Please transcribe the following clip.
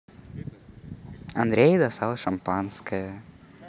андрей достал шампанское